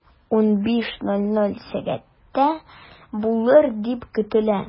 15.00 сәгатьтә булыр дип көтелә.